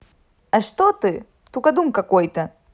а что ты тугодум какой то